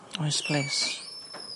Oes plîs.